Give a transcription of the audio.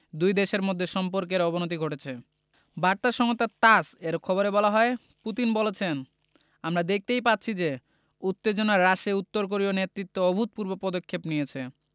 দুই দেশের মধ্যে সম্পর্কের অবনতি ঘটে বার্তা সংস্থা তাস এর খবরে বলা হয় পুতিন বলেছেন আমরা দেখতেই পাচ্ছি যে উত্তেজনা হ্রাসে উত্তর কোরীয় নেতৃত্ব অভূতপূর্ণ পদক্ষেপ নিয়েছে